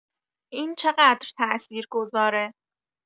این چقدر تاثیر گذاره؟